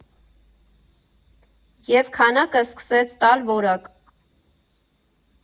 Եվ քանակը սկսեց տալ որակ։